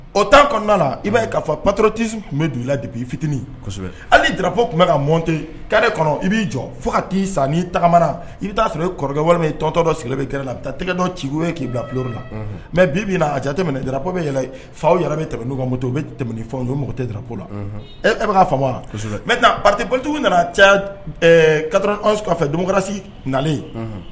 O tan itosi tun bɛ i la fitinin hali jara tun mɔ kari kɔnɔ i b'i jɔ fo ka'i san tagamana i bɛ sɔrɔ i kɔrɔkɛ wɛrɛ tɔntɔdɔ sigilen kɛlɛ la bɛ taa tɛgɛdɔ ciko ye k'i bila kioro la mɛ bi a jate jara bɛ yɛlɛ fa yɛrɛ bɛ tɛmɛu kan u bɛ tɛmɛ faw mɔgɔtɛ dɔrɔn la e watigiw nanafɛ donsi nalen